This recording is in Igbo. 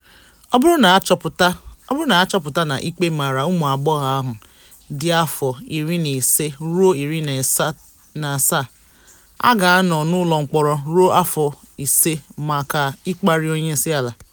Ọ bụrụ na ha chọpụta na ikpe mara ụmụagbọghọ ahụ dị afọ 15 ruo 17, ha ga-anọ n'ụlọ mkpọrọ ruo afọ ise maka ịkparị onyeisiala.